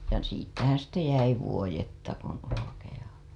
ja siitähän sitten jäi vuodetta kuin olkia